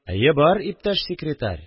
– әйе бар, иптәш секретарь.